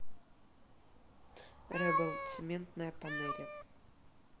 rebel цементная панели